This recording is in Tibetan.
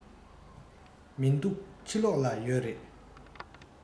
མི འདུག ཕྱི ལོགས ལ ཡོད རེད